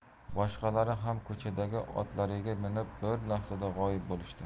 boshqalari ham ko'chadagi otlariga minib bir lahzada g'oyib bo'lishdi